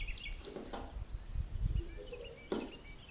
юрий подоляка